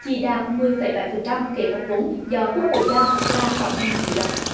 chỉ đạt mười phẩy bảy phần trăm kế hoạch vốn do quốc hội giao là sáu mươi ngàn tỷ đồng